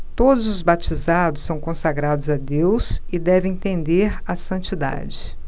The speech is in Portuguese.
todos os batizados são consagrados a deus e devem tender à santidade